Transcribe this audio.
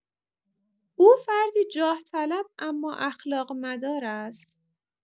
او فردی جاه‌طلب اما اخلاق‌مدار است.